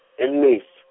e Mnisi.